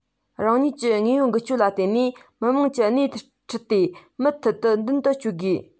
རང ཉིད ཀྱི དངོས ཡོད འགུལ སྐྱོད ལ བརྟེན ནས མི དམངས ཀྱི སྣེ ཁྲིད དེ ཐུན མུང དུ མདུན དུ བསྐྱོད དགོས